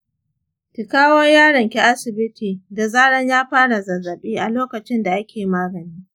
ki kawo yaron ki asibiti da zaran ya fara zazzaɓi a lokacin da ake magani.